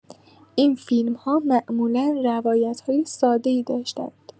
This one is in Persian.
این فیلم‌ها معمولا روایت‌های ساده‌ای داشتند.